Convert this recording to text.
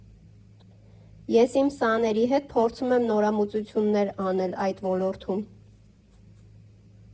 Ես իմ սաների հետ փորձում եմ նորամուծություններ անել այդ ոլորտում։